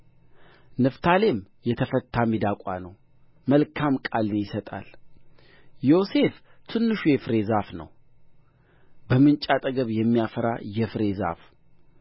ንፍታሌም የተፈታ ሚዳቋ ነው መልካም ቃልን ይሰጣል ዮሴፍ ትንሹ የፍሬ ዛፍ ነው በምንጭ አጠገብ የሚያፈራ የፍሬ ዛፍ